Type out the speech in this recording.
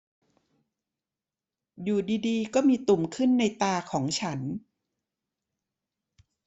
อยู่ดีดีก็มีตุ่มขึ้นในตาของฉัน